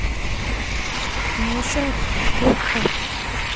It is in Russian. малышарики окко